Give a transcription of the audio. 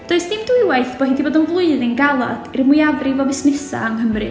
Does dim dwywaith bo' hi 'di bod yn flwyddyn galed i'r mwyafrif o fusnesau yng Nghymru.